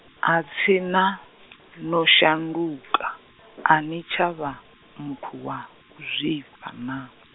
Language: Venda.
atsina no shanduka , ani tsha vha, muthu wa, uzwifha naa?